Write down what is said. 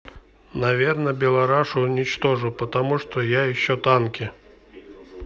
наверно белорашу уничтожу потому что я еще танки